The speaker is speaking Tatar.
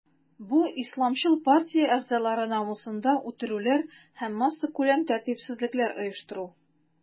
Бу исламчыл партия әгъзалары намусында үтерүләр һәм массакүләм тәртипсезлекләр оештыру.